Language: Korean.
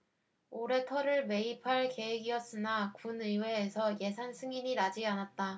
올해 터를 매입할 계획이었으나 군의회에서 예산 승인이 나지 않았다